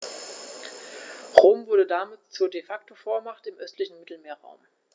Rom wurde damit zur ‚De-Facto-Vormacht‘ im östlichen Mittelmeerraum.